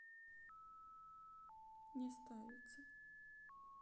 не ставится